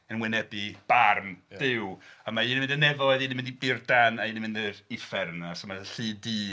Yn wynebu barn Duw, ac mae un yn mynd i'r nefoedd, un yn mynd i burdan a un yn mynd i'r uffern 'na so mae'r "llu du"...